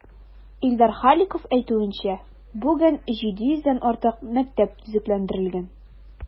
Илдар Халиков әйтүенчә, бүген 700 дән артык мәктәп төзекләндерелгән.